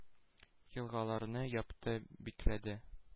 Елгаларны япты, бикләде,